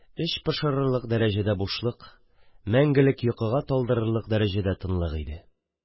Эч пошырырлык дәрәҗәдә бушлык, мәңгелек йокыга талдырырлык дәрәҗәдә тынлык иде.